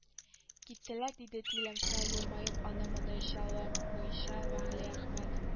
Киттеләр диде тилемсә елмаеп аны-моны чамаламыйча вәлиәхмәт